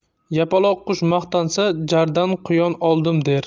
yapaloqqush maqtansa jardan quyon oldim der